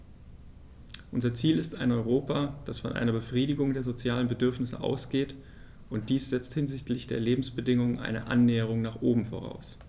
Unser Ziel ist ein Europa, das von einer Befriedigung der sozialen Bedürfnisse ausgeht, und dies setzt hinsichtlich der Lebensbedingungen eine Annäherung nach oben voraus.